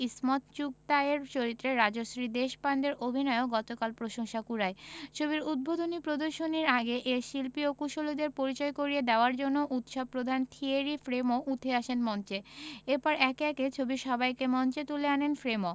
ইসমত চুগতাইয়ের চরিত্রে রাজশ্রী দেশপান্ডের অভিনয়ও গতকাল প্রশংসা কুড়ায় ছবির উদ্বোধনী প্রদর্শনীর আগে এর শিল্পী ও কুশলীদের পরিচয় করিয়ে দেওয়ার জন্য উৎসব প্রধান থিয়েরি ফ্রেমো উঠে আসেন মঞ্চে এরপর একে একে ছবির সবাইকে মঞ্চে তুলে আনেন ফ্রেমো